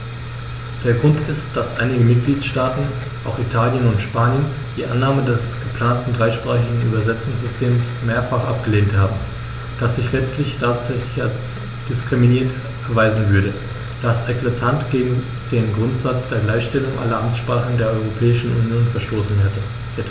Der Grund ist, dass einige Mitgliedstaaten - auch Italien und Spanien - die Annahme des geplanten dreisprachigen Übersetzungssystems mehrfach abgelehnt haben, das sich letztendlich tatsächlich als diskriminierend erweisen würde, da es eklatant gegen den Grundsatz der Gleichstellung aller Amtssprachen der Europäischen Union verstoßen hätte.